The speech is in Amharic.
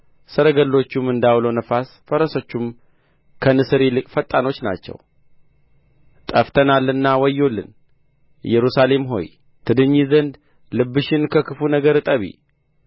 ሰረገሎቹም እንደ ዐውሎ ነፋስ ፈረሶቹም ከንስር ይልቅ ፈጣኖች ናቸው ጠፍተናልና ወዮልን ኢየሩሳሌም ሆይ ትድኚ ዘንድ ልብሽን ከክፉ ነገር እጠቢ